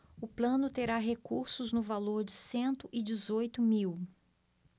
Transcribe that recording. o plano terá recursos no valor de cento e dezoito mil